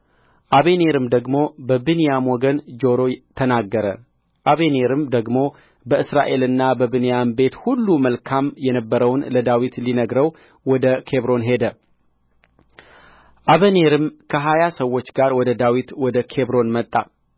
አበኔርም ደግሞ በእስራኤልና በብንያም ቤት ሁሉ መልካም የነበረውን ለዳዊት ሊነግረው ወደ ኬብሮን ሄደ አበኔርም ከሀያ ሰዎች ጋር ወደ ዳዊት ወደ ኬብሮን መጣ